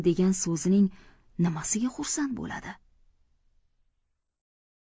degan so'zining nimasiga xursand bo'ladi